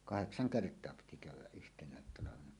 kahdeksan kertaa piti käydä yhtenä talvena